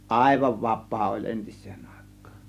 aivan vapaa oli entiseen aikaan